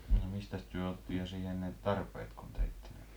no mistäs te otitte siihen ne tarpeet kun teitte niitä